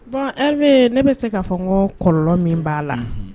Bon Hervé ne bɛ se k'a fɔ kɔlɔ min b'a la. Unhun.